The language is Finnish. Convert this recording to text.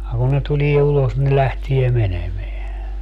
ja kun ne tulee ulos ne lähtee menemään